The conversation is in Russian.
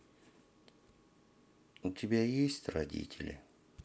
у тебя есть родители